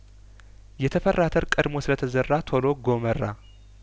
የተፈራ አተር ቀድሞ ስለተዘራ ቶሎ ጐመራ